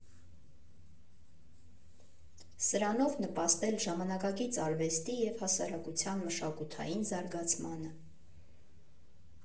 Սրանով նպաստել ժամանակակից արվեստի և հասարակության մշակութային զարգացմանը։